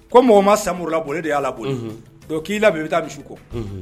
Ko mɔgɔma sa la bolilen de y'a la don k'i bi i bɛ taa misi kɔ